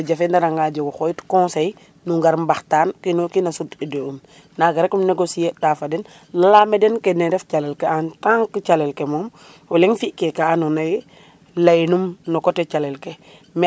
jafe jafe nara nga jeg o xoyit conseil nu ngar mbaxtaan kino kin a sut idée um naga rek nu négocier ta fo den lala ma den kene ref calel ke en tant que calel ke moom o leŋ fi ke moom ka ando naye leyi num no coté calel ke